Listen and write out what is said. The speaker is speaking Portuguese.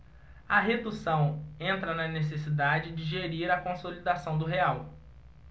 a redução entra na necessidade de gerir a consolidação do real